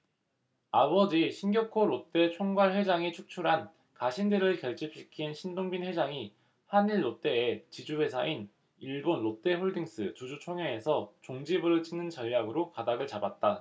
아버지 신격호 롯데 총괄회장이 축출한 가신들을 결집시킨 신동빈 회장이 한 일 롯데의 지주회사인 일본 롯데홀딩스 주주총회에서 종지부를 찍는 전략으로 가닥을 잡았다